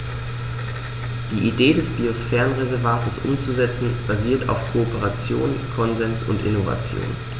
Die Idee des Biosphärenreservates umzusetzen, basiert auf Kooperation, Konsens und Innovation.